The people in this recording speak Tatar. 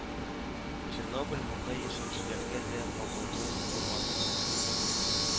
Чернобыль монда яшәүчеләргә дә кагылмый калмады